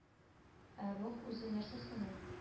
Ә рух үзе нәрсә соң ул